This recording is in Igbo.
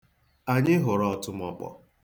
Anyị hụrụ ọtụmọkpọ.